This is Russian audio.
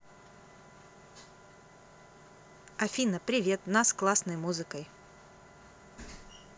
афина привет на с классной музыкой